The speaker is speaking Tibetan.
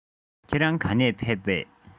ཁྱེད རང ག ནས ཕེབས པས